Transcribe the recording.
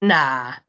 Na!